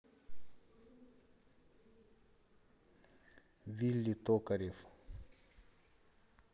вилли токарев